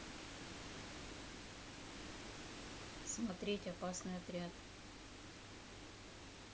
смотреть опасный отряд